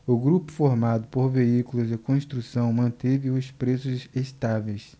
o grupo formado por veículos e construção manteve os preços estáveis